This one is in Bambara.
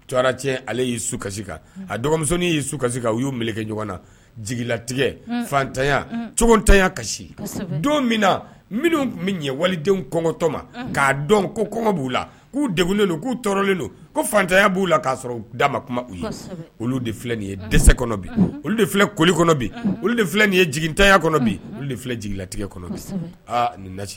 Ale y'i su kan anin y'i su kan u y'u ɲɔgɔn na jigilatigɛ fatanya cogotanya kasi don min na minnu tun bɛ ɲɛ walidenw kɔngɔtɔma k'a dɔn ko kɔngɔ b'u la k'u deglen don k'u tɔɔrɔlen don ko fatanya b'u la k' sɔrɔ'a ma kuma ye olu de filɛ nin ye dɛsɛse kɔnɔ bi olu de filɛ koli olu de filɛ nin ye jigitanya kɔnɔ de filɛ jigilatigɛ kɔnɔ bi aaa nin na